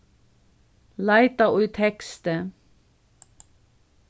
leita í teksti